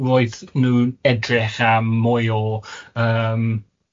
Roedd nhw'n edrych am mwy o yym